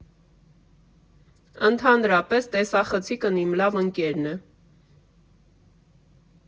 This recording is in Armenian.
Ընդհանրապես, տեսախցիկն իմ լավ ընկերն է։